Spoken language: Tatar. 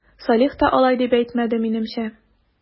Салих та алай дип әйтмәде, минемчә...